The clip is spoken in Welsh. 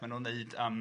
Maen nhw'n wneud yym